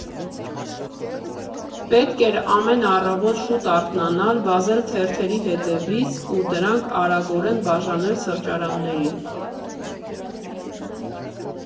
Պետք էր ամեն առավոտ շուտ արթնանալ, վազել թերթերի հետևից ու դրանք արագորեն բաժանել սրճարաններին։